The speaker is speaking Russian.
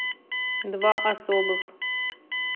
два особых